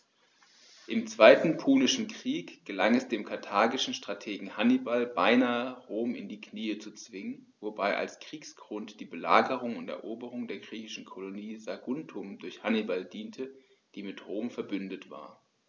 Im Zweiten Punischen Krieg gelang es dem karthagischen Strategen Hannibal beinahe, Rom in die Knie zu zwingen, wobei als Kriegsgrund die Belagerung und Eroberung der griechischen Kolonie Saguntum durch Hannibal diente, die mit Rom „verbündet“ war.